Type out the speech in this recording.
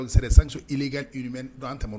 Sera likɛ ymɛ dɔn tamɔ